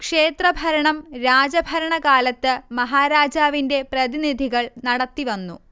ക്ഷേത്രഭരണം രാജഭരണകാലത്ത് മഹാരാജാവിന്റെ പ്രതിനിധികൾ നടത്തിവന്നു